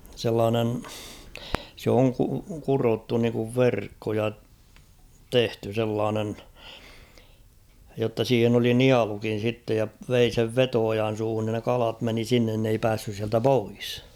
sellainen se on - kudottu niin kuin verkko ja tehty sellainen jotta siihen oli nielukin sitten ja vei sen veto-ojan suuhun niin ne kalat meni sinne ne ei päässyt sieltä pois